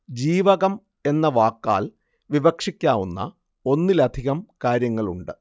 ജീവകം എന്ന വാക്കാല്‍ വിവക്ഷിക്കാവുന്ന ഒന്നിലധികം കാര്യങ്ങളുണ്ട്